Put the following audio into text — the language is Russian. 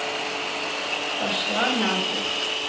пошла на фиг